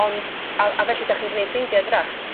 Ond a, a felly 'da chi'n g'neud ffrindia' dydach?